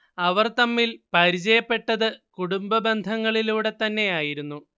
അവർ തമ്മിൽ പരിചയപ്പെട്ടത് കുടുംബ ബന്ധങ്ങളിലൂടെതന്നെയായിരുന്നു